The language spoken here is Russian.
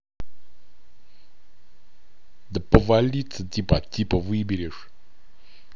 да повалится типа типа выберешь